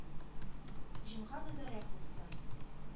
Җомга мөбарәк булсын!